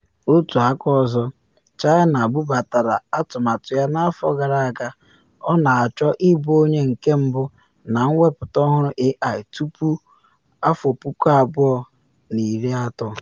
Otu aka ọzọ, China bubatara atụmatụ ya n’afọ gara aga: ọ na achọ ịbụ onye nke 1 na mweputa ọhụrụ AI tupu 2030.